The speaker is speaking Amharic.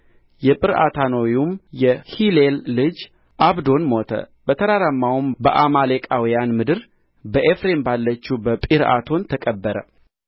የጲርዓቶናዊውም የሂሌል ልጅ ዓብዶን ሞተ በተራራማውም በአማሌቃውያን ምድር በኤፍሬም ባለችው በጲርዓቶን ተቀበረ